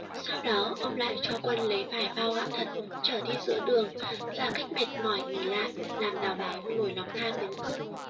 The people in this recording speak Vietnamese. sau đó ông lại cho quân lấy vài bao gạo thật chở đi giữa đường giả cách mệt mỏi nghỉ lại làm đào báo nổi lòng tham đến cướp